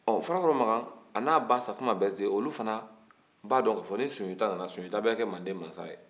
ɔ farakɔrɔ makan a n'a ba sasuma bɛrite olu fɛnɛ b'a don ka fɔ ni sunjata nana sunjata bɛ kɛ manden masa